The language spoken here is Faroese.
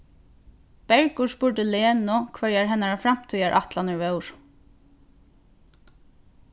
bergur spurdi lenu hvørjar hennara framtíðarætlanir vóru